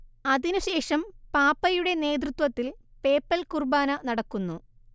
അതിനുശേഷം പാപ്പയുടെ നേതൃത്വത്തിൽ പേപ്പൽ കുർബാന നടക്കുന്നു